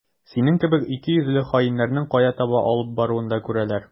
Синең кебек икейөзле хаиннәрнең кая таба алып баруын да күрәләр.